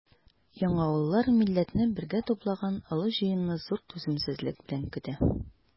Яңавыллар милләтне бергә туплаган олы җыенны зур түземсезлек белән көтә.